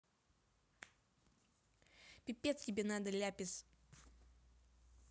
пипец тебе надо ляпис